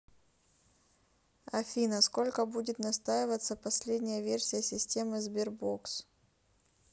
афина сколько будет настраиваться последняя версия системы sberbox